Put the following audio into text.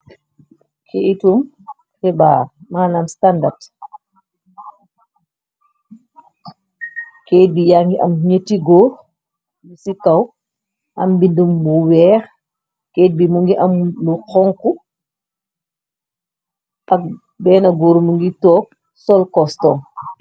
keytum xebaar manam standard kayt bi ya ngi am ñëti góo lu ci kaw am bindum bu weex kayt bi mu ngi am lu xonku ak benn góorumu ngi toog solkoston